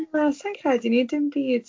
Na sa i'n credu 'ny dim byd.